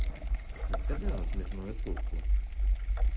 расскажи нам смешную шутку